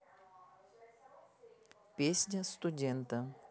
песня студента